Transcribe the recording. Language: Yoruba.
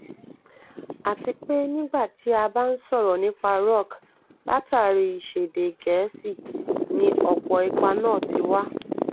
Àti pé nígbà tí a bá ń sọ̀rọ̀ nípa Rock, látààrí ìsèdè-Gẹ̀ẹ́sì ni ọ̀pọ̀ ipa náà ti wá.